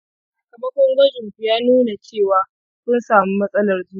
sakamakon gwajinku ya nuna cewa kun samu matsalar zuciya